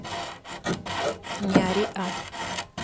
не ори а